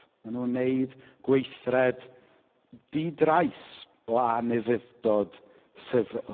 Maen nhw'n wneud gweithred di-drais o anufudd-dod sifil.